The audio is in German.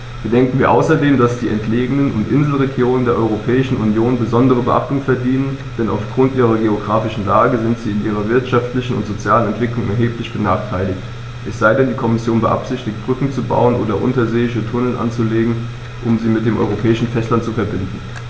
Bedenken wir außerdem, dass die entlegenen und Inselregionen der Europäischen Union besondere Beachtung verdienen, denn auf Grund ihrer geographischen Lage sind sie in ihrer wirtschaftlichen und sozialen Entwicklung erheblich benachteiligt - es sei denn, die Kommission beabsichtigt, Brücken zu bauen oder unterseeische Tunnel anzulegen, um sie mit dem europäischen Festland zu verbinden.